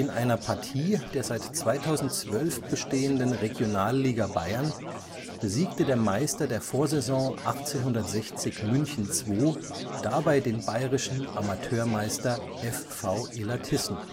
einer Partie der seit 2012 bestehenden Regionalliga Bayern besiegte der Meister der Vorsaison 1860 München II dabei den bayerischen Amateurmeister FV Illertissen